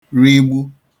rigbu